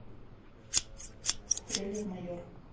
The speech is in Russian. трейлер майор